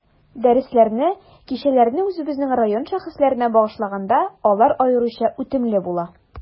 Дәресләрне, кичәләрне үзебезнең район шәхесләренә багышлаганда, алар аеруча үтемле була.